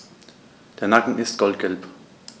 Der Nacken ist goldgelb.